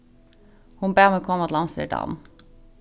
hon bað meg koma til amsterdam